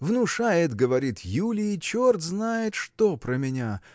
Внушает, говорит, Юлии черт знает что про меня.